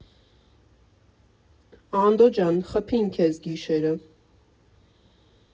Անդո ջան, խփին քեզ գիշերը։